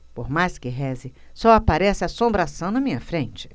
por mais que reze só aparece assombração na minha frente